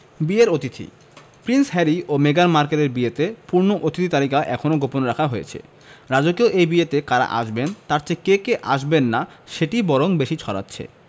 বিয়ের অতিথি prince Harry ও মেগান মার্কেলের বিয়ের পূর্ণ অতিথি তালিকা এখনো গোপন রাখা হয়েছে রাজকীয় এই বিয়েতে কারা আসবেন তার চেয়ে কে কে আসবেন না সেটিই বরং বেশি ছড়াচ্ছে